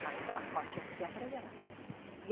bu haqda ochiq gapiraveraman